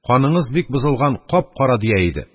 Каныңыз бик бозылган, кап-кара!» – дия иде